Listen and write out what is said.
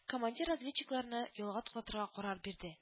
Командир разведчикларны ялга туктатырга карар бирде